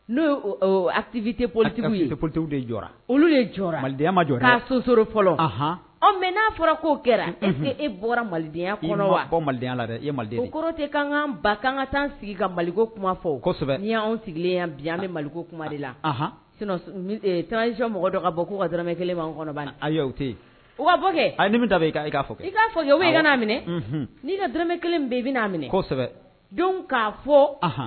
N'o atibiteolitetigiwolitigiw de jɔ olu ye jɔ malidenyaya ma jɔ so fɔlɔ mɛ n'a fɔra ko'o kɛra e bɔra malidenya kɔnɔ maliya la dɛ mali tɛ ba ka taa sigi ka maliko kuma fɔsɛbɛ n sigilen bi yan bɛ maliko kuma de la tranz mɔgɔ dɔ ka bɔ k'u ka dmɛ kelen kɔnɔ yen u ka bɔkɛ a ta e ia fɔ iaa minɛ n'i ka dmɛ kelen bɛ i bɛ'a minɛ don k'a fɔ